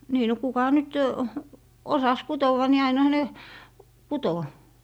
niin no kuka nyt osasi kutoa niin ainahan ne kutoi